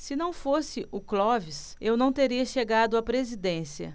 se não fosse o clóvis eu não teria chegado à presidência